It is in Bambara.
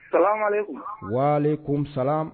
Salamalekum! Wa alehikoum salam